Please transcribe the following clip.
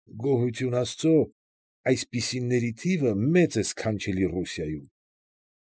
Գոհություն աստծու, այսպիսիների թիվը մեծ է սքանչելի Ռուսիայում։